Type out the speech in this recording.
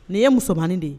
Nini ye mubanin de ye